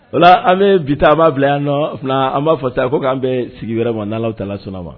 Wala an bɛ bi taa bila yan nɔ fila an b'a fɔ taa ko k'an bɛ sigi wɛrɛ ma n' tala sun wa